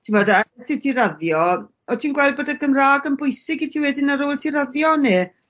t'mod ti raddio o't ti'n gweld bod y Gymra'g yn bwysig i ti wedyn ar ôl i ti raddio ne'?